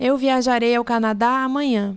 eu viajarei ao canadá amanhã